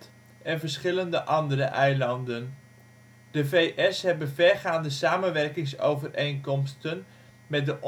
en verscheidene andere eilanden. De Verenigde Staten hebben ook samenwerkingsovereenkomsten met de